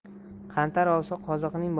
qantar ovsa qoziqning